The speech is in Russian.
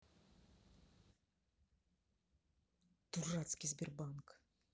дурацкий сбербанк